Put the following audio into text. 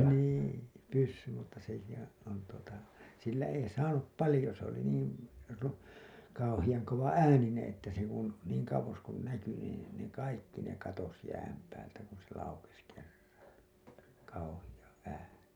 niin pyssyn mutta sekin on tuota sillä ei saanut paljon se oli niin - kauhean kovaääninen että se kun niin kauas kun näkyi niin ne kaikki ne katosi jään päältä kun se laukesi kerran kauhea ääni